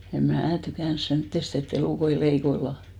en minä tykännyt semmoisesta että elukoita leikkaillaan